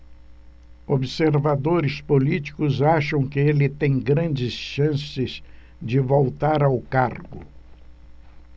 observadores políticos acham que ele tem grandes chances de voltar ao cargo